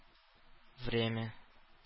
Время